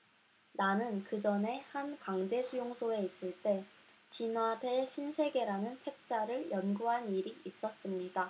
나는 그전에 한 강제 수용소에 있을 때 진화 대 신세계 라는 책자를 연구한 일이 있었습니다